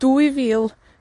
dwy fil